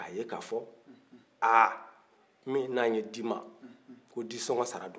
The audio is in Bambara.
ha ko min nana di n ma ko disɔngɔ sara don